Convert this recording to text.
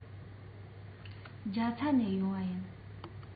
རྒྱ ཚ ནས ཡོང བ ཡིན